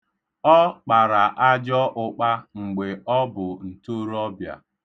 Ọ kpara ajọ ụkpa mgbe ọ bụ ntorọbịa.